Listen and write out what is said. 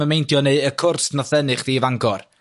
yn meindio? Neu y cwrs nath ddennu chdi i Fangor?